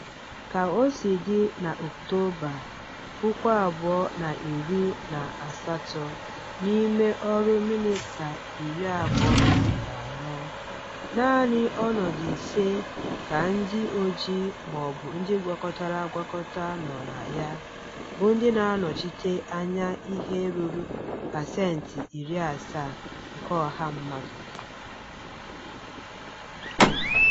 Ka o si dị n'Okutoba 2018, n'ime ọrụ minista 24, naanị ọnọdụ ise ka ndị ojii ma ọ bụ ndị gwakọtara agwakọta nọ na ya, bụ ndị na-anọchii anya ihe ruru pasentị 70 nke ọha obodo.